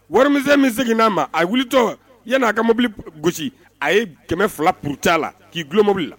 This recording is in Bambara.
Wari mi min segin'a ma a ye wulitɔ yan' a ka mobili gosi a ye kɛmɛ fila pta la k'i dulomobili la